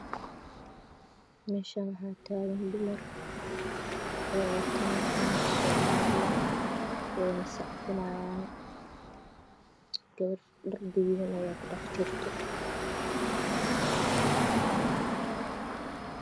Meshan waxa tagan dumar waxey watan calanka soomalia weyna sabcinayan gabar dhar gaduudan ayan kudhexjirto